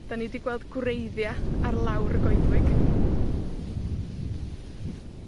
'Dan ni 'di gweld gwreiddia' ar lawr y goedwig.